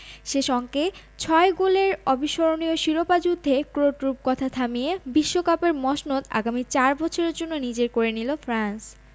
শেষ অঙ্কে ছয় গোলের অবিস্মরণীয় শিরোপা যুদ্ধে ক্রোট রূপকথা থামিয়ে বিশ্বকাপের মসনদ আগামী চার বছরের জন্য নিজেদের করে নিল ফ্রান্স